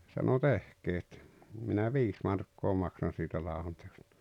sanoi tehkää että minä viisi markkaa maksan siitä ladonteosta